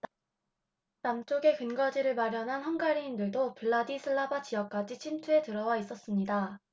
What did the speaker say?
남쪽에 근거지를 마련한 헝가리인들도 브라티슬라바 지역까지 침투해 들어와 있었습니다